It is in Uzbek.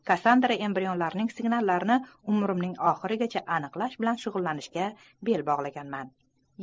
kassandra embrionlarning signallarini umrimning oxirigacha aniqlash bilan shug'ullanishga bel bog'laganman